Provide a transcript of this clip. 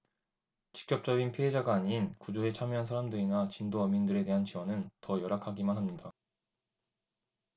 직접적인 피해자가 아닌 구조에 참여한 사람들이나 진도어민들에 대한 지원은 더 열악하기만 합니다